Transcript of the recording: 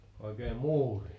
oikein muuri